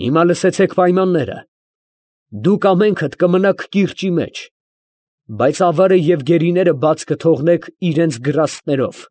Հիմա լսեցեք պայմանները. դուք ամենքդ կմնաք կիրճի մեջ. բայց ավարը և գերիները բաց կթողնեք իրանց գրաստներով։